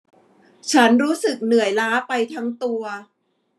ฉันรู้สึกเหนื่อยล้าไปทั้งตัว